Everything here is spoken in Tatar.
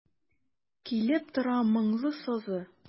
Көйләп тора моңлы сазы.